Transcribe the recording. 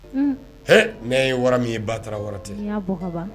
He ne ye wara min ye batara wara tɛ, n'i y'a bɔ ka ban